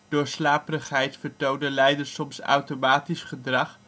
Door slaperigheid vertonen lijders soms ' automatisch ' gedrag